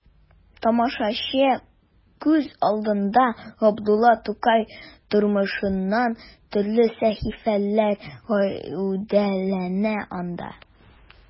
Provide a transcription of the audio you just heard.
Тамашачы күз алдында Габдулла Тукай тормышыннан төрле сәхифәләр гәүдәләнә анда.